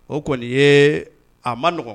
O kɔni ye a maɔgɔn